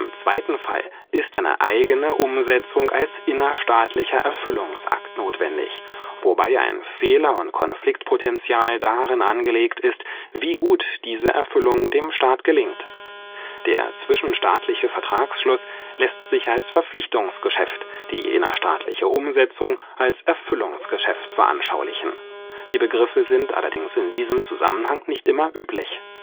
zweiten Fall ist eine eigene Umsetzung als innerstaatlicher Erfüllungsakt notwendig, wobei ein Fehler - und Konfliktpotenzial darin angelegt ist, wie gut diese Erfüllung dem Staat gelingt. Der zwischenstaatliche Vertragsschluss lässt sich als Verpflichtungsgeschäft, die innerstaatliche Umsetzung als Erfüllungsgeschäft veranschaulichen. Die Begriffe sind allerdings in diesem Zusammenhang nicht immer üblich